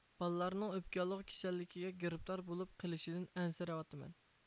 بالىلارنىڭ ئۆپكە ياللۇغى كېسەللىكىگە گىرىپتار بولۇپ قېلىشىدىن ئەنسىرەۋاتىمەن